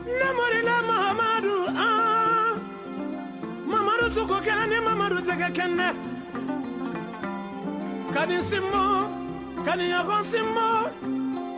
Yamari la maamadu ann mamamadu sogo kɛnɛ ni jɛgɛ kɛnɛ, kanu sinbo , kanuɲɔgɔn sinbo!